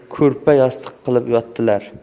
ko'rpa yostiq qilib yotdilar